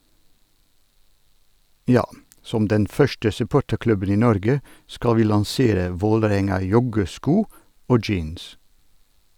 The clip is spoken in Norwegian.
- Ja, som den første supporterklubben i Norge skal vi lansere Vålerenga-joggesko og - jeans.